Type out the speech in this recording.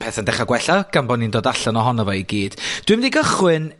petha dechra' gwella, gan bo' ni'n dod allan ohono fe i gyd. Dwi mynd i gychwyn...